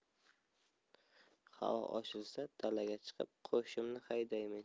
havo ochilsa dalaga chiqib qo'shimni haydaymen